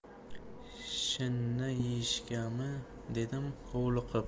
shinni yeyishgami dedim hovliqib